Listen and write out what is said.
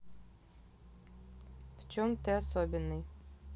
в чем ты особенный